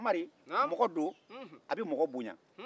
mamari ye min bɛ mɔgɔ bonya